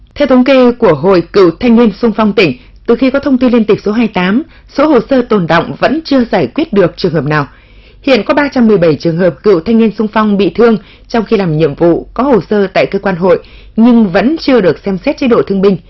theo thống kê của hội cựu thanh niên xung phong tỉnh từ khi có thông tư liên tịch số hai tám số hồ sơ tồn đọng vẫn chưa giải quyết được trường hợp nào hiện có ba trăm mười bảy trường hợp cựu thanh niên xung phong bị thương trong khi làm nhiệm vụ có hồ sơ tại cơ quan huyện nhưng vẫn chưa được xem xét chế độ thương binh